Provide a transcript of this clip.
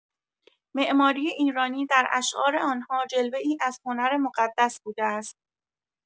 معماری ایرانی در اشعار آن‌ها، جلوه‌ای از هنر مقدس بوده است.